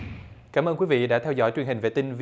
cảm ơn quý vị đã theo dõi truyền hình vệ tinh